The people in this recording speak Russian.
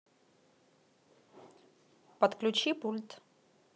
подключи пульт